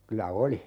kyllä oli